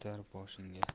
sodda yetar boshingga